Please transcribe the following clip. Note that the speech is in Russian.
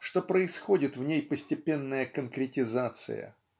что происходит в ней постепенная конкретизация.